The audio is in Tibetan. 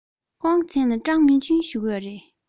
ཁོང གི མཚན ལ ཀྲང མིང ཅུན ཞུ གི ཡོད རེད